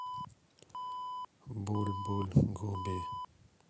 буль буль губи